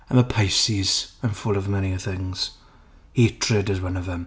I'm a Pisces. I'm full of many a things. Hatred is one of them.